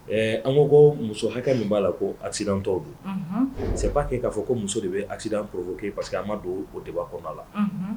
An ko ko muso hakɛ min b'a la ko a tɔw don sɛ bbaa kɛ k'a fɔ ko muso de bɛ a poroe pari que a ma don o de kɔnɔ la